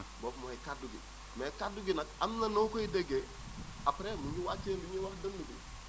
boobu mooy kaddu gi mais kaddu gi nag am na noo koy déggee après mu ngi wàccee li ñuy wax dënnu bi